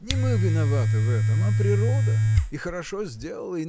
— Не мы виноваты в этом, а природа! И хорошо сделала.